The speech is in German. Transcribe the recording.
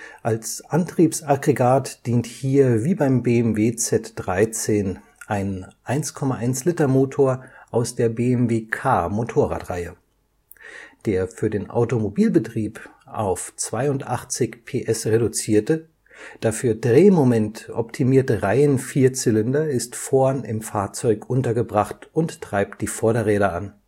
Als Antriebsaggregat dient hier (wie beim BMW Z13) ein 1,1-Liter-Motor aus der BMW K-Motorradreihe. Der für den Automobil-Betrieb auf 82 PS reduzierte, dafür drehmomentoptimierte Reihenvierzylinder ist vorn im Fahrzeug untergebracht und treibt die Vorderräder an